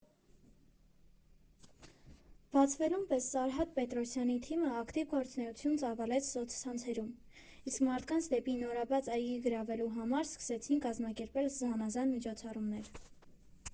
Բացվելուն պես Սարհատ Պետրոսյանի թիմը ակտիվ գործունեություն ծավալեց սոցցանցերում, իսկ մարդկանց դեպի նորաբաց այգի գրավելու համար սկսեցին կազմակերպվել զանազան միջոցառումներ։